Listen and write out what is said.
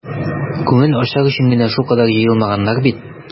Күңел ачар өчен генә шулкадәр җыелмаганнар бит.